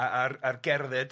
...a- ar ar gerdded